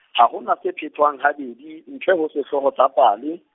ha ho na se phetwang habedi, ntle ho sehlooho sa pale.